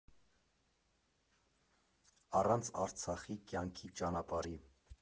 Առանց Արցախի կյանքի ճանապարհի։